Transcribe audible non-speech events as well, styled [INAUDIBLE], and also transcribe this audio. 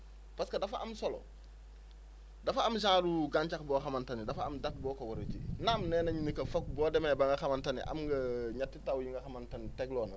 parce que dafa am solo dafa am genre gàncax boo xamante ne dafa am date boo ko war a ji naan [NOISE] nee nañ ni que foog boo demee ba nga xamante ni am nga [HESITATION] ñetti taw yu nga xamante ni tegloo na